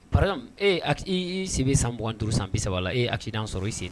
Pa ee' si bɛ sanugan tuuru san bisa la e aki i d'a sɔrɔ i sen